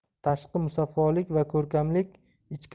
tashqi musaffolik va ko'rkamlik ichki